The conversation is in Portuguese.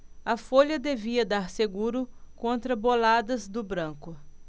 a folha devia dar seguro contra boladas do branco